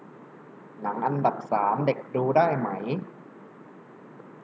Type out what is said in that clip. หนังอันดับสามเด็กดูได้ไหม